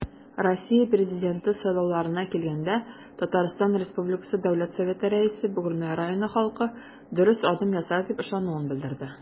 Россия Президенты сайлауларына килгәндә, ТР Дәүләт Советы Рәисе Бөгелмә районы халкы дөрес адым ясар дип ышануын белдерде.